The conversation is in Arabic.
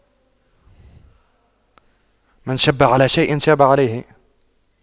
من شَبَّ على شيء شاب عليه